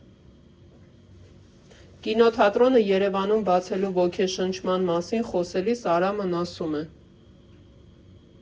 Կինոթատրոնը Երևանում բացելու ոգեշնչման մասին խոսելիս Արամն ասում է.